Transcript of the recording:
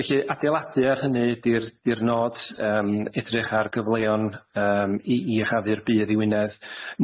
Felly adeiladu ar hynny di'r di'r nod yym, edrych ar gyfleon yym i i ychaddu'r bydd i Wynedd.